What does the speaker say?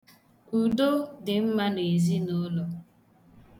Udo dị mma n'ezinụụlọ.